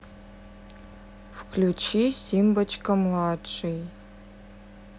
включи симбочка младший